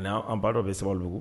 Mɛ an baara dɔ bɛ sdugu